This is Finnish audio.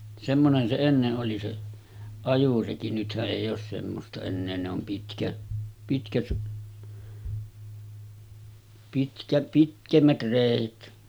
semmoinen se ennen oli se ajoreki nythän ei ole semmoista enää ne on - pitkät pitkä pitemmät reet